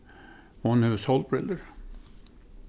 hon hevur sólbrillur